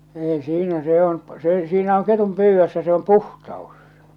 ei siinä se on siinä on ketun pyydössä se on puhtaus